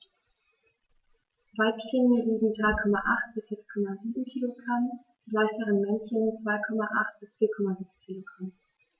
Weibchen wiegen 3,8 bis 6,7 kg, die leichteren Männchen 2,8 bis 4,6 kg.